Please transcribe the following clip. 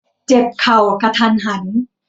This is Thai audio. เจ็บเข่ากะทันหัน